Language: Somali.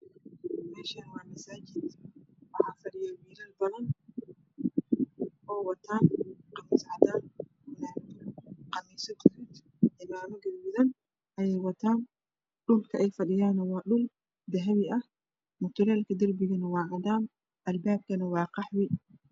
Meeshaan waa masaajid waxaa fadhiyo wiilal badan oo wataan qamiis cadaan faanaanad buluug qamiisyo guduud cimaamo gaduudan ayey wataan dhulka ay fadhiyaana wa dhul dahabi ah mutuleelka darbigana waa cadaan albaabka gurigana waa qaxwi